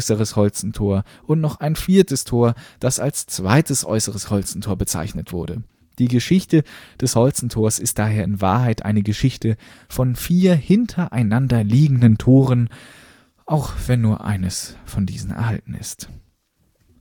Äußeres Holstentor und noch ein viertes Tor, das als Zweites Äußeres Holstentor bezeichnet wurde. Die Geschichte des Holstentors ist daher in Wahrheit eine Geschichte von vier hintereinander liegenden Toren, auch wenn nur eines von diesen erhalten ist. Die